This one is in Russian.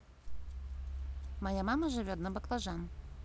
моя мама живет на баклажан